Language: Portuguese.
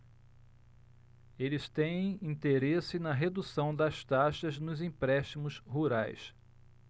eles têm interesse na redução das taxas nos empréstimos rurais